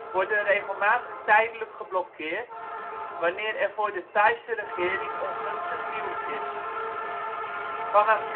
worden regelmatig tijdelijk geblokkeerd wanneer er voor de Thaise regering ongunstig nieuws is. Vanaf